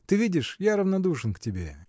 Ты видишь, я равнодушен к тебе.